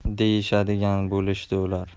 deyishadigan bo'lishdi ular